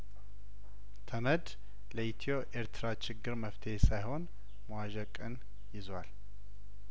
ተመድ ለኢትዮ ኤርትራ ችግር መፍትሄ ሳይሆን መዋዠቅን ይዟል